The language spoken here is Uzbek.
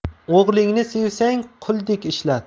o'g'lingni sevsang quldek ishlat